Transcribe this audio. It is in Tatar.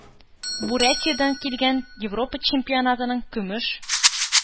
Бурятиядән килгән, Европа чемпионатының көмеш